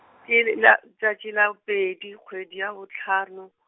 ke le la, tšatši la pedi kgwedi ya bohlano.